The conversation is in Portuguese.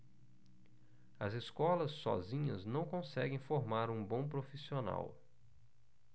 as escolas sozinhas não conseguem formar um bom profissional